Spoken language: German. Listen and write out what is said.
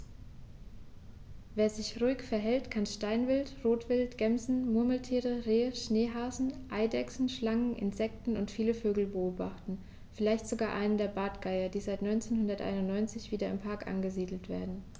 Wer sich ruhig verhält, kann Steinwild, Rotwild, Gämsen, Murmeltiere, Rehe, Schneehasen, Eidechsen, Schlangen, Insekten und viele Vögel beobachten, vielleicht sogar einen der Bartgeier, die seit 1991 wieder im Park angesiedelt werden.